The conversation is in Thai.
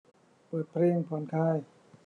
เปิดเพลงผ่อนคลาย